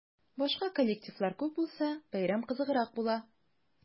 Башка коллективлар күп булса, бәйрәм кызыграк була.